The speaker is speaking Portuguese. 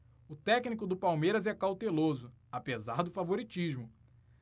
o técnico do palmeiras é cauteloso apesar do favoritismo